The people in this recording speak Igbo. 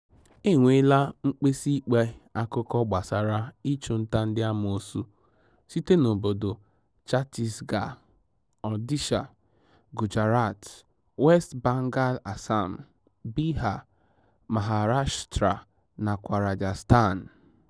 E nweela mkpesa ikpe akụkọ gbasara ịchụnta ndị amoosu site n'obodo Chattisgarh, Odisha, Gujarat, West Bengal Assam, Bihar, Maharashtra nakwa Rajasthan.